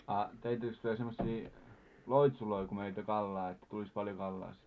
a teittekö te semmoisia loitsuja kun menitte kalaa että tulisi paljon kalaa sitten